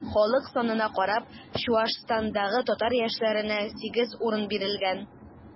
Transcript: Халык санына карап, Чуашстандагы татар яшьләренә 8 урын бирелгән.